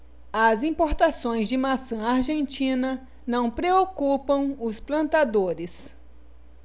as importações de maçã argentina não preocupam os plantadores